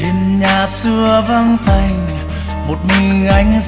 thềm nhà xưa vắng tanh